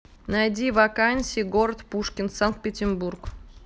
найди вакансии город пушкин санкт петербург